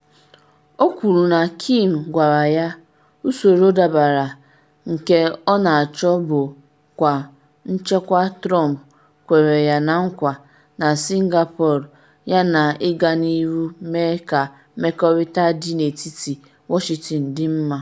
O kwuru na Kim gwara ya, “usoro dabara” nke ọ na-achọ bụ nkwa nchekwa Trump kwere ya na nkwa na Singapore yana ịga n’ihu mee ka mmekọrịta dị n’etiti Washington dị mma.